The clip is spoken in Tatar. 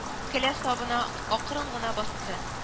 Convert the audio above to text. Келә сабына акрын гына басты